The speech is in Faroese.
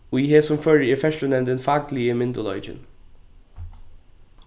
í hesum føri er ferðslunevndin fakligi myndugleikin